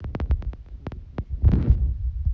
сири включи дисней